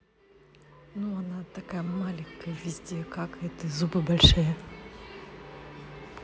ну она такая маленькая везде какает и зубы большие